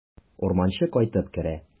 Урманчы кайтып керә.